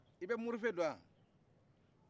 i bɛ murufe dɔn wa